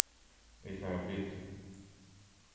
vit fara biltúr